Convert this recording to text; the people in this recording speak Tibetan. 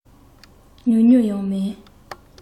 ཉུང ཉུང ཡང མིན